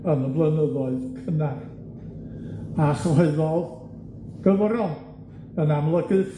yn y blynyddoedd cynnar, a gyfrol yn amlygu